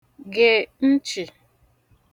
gè nchị̀